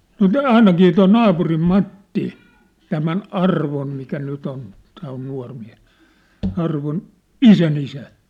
no tämä ainakin tuo naapurin Matti tämän Arvon mikä nyt on tämä on nuori mies Arvon isänisä